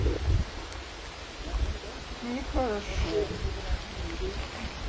нехорошо